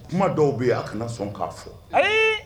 Kuma dɔw bɛ a kana sɔn k'a fɔ ayi